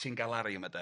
Sy'n galaru yma de.